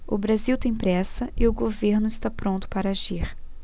o brasil tem pressa e o governo está pronto para agir